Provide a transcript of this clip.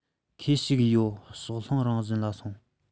ཁོས ཞིག ཡོད ཕྱོགས ལྷུང རང བཞིན ལ སོང